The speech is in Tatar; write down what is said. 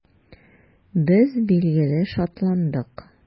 Без, билгеле, шатландык.